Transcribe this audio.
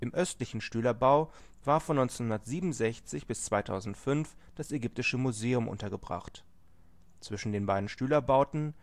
östlichen Stülerbau war von 1967 bis 2005 das Ägyptische Museum untergebracht. Zwischen den beiden Stülerbauten